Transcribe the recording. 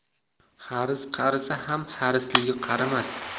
haris qarisa ham harisligi qarimas